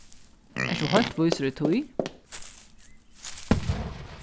ert tú heilt vísur í tí